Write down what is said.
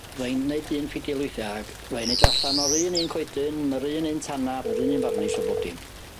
Fa i'n neud un w'th 'i gilydd ag f'ai neud o allan o'r un un coedyn ma'r un un tana, yr un un farnish a bob dim